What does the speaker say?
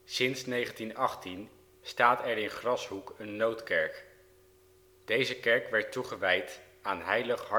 Sinds 1918 staat er in Grashoek een noodkerk. Deze kerk werd toegewijd aan Heilig